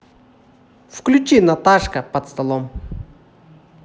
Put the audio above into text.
включи наташка под столом